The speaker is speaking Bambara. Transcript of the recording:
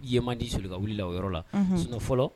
Yen man di soli ka wili la o yɔrɔ la, unhun sinon fɔlɔ.